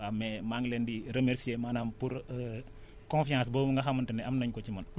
waa mais maa ngi leen di remercier maanaam pour confiance boobu nga xamante ne am nañ ko ci man